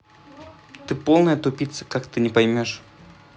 ты полная тупица как ты не поймешь